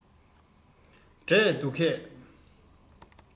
འབྲས འདུག གས